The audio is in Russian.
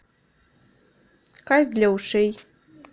кайф для ушей